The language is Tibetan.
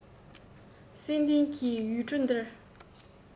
བསིལ ལྡན གྱི ཡུལ གྲུ འདིར